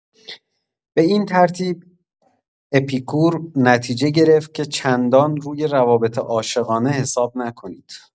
به این ترتیب اپیکور نتیجه گرفت که چندان روی روابط عاشقانه حساب نکنید.